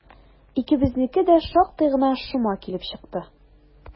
Икебезнеке дә шактый гына шома килеп чыкты.